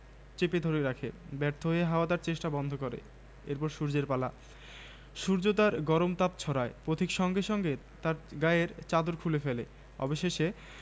ঈদ অফারে সবাই কাত ৩০০ ফ্রি ফ্রিজে বাজিমাত শীর্ষক ক্যাম্পেইনটি ১ আগস্ট থেকে শুরু হয়ে চলবে মাস জুড়ে